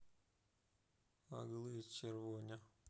оглы червоня